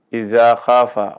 Na h fa